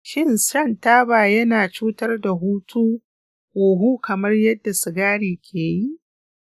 shin shan taba yana cutar da huhu kamar yadda sigari ke yi?